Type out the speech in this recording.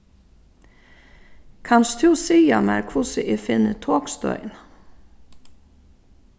kanst tú siga mær hvussu eg finni tokstøðina